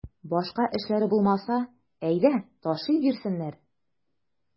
Башка эшләре булмаса, әйдә ташый бирсеннәр.